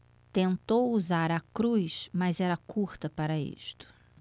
tentou usar a cruz mas era curta para isto